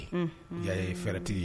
Unhun. Yan ye fɛrɛtigi ye.